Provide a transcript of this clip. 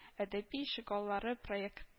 “әдәби ишегаллары” проект